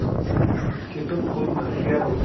tepib o'tma suyab o't